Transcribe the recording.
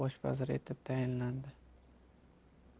bosh vaziri etib tayinlandi